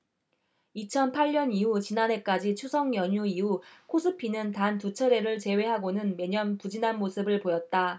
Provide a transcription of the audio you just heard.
이천 팔 년 이후 지난해까지 추석 연휴 이후 코스피는 단 두 차례를 제외하고는 매년 부진한 모습을 보였다